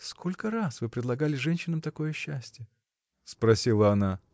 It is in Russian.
— Сколько раз вы предлагали женщинам такое счастье? — спросила она.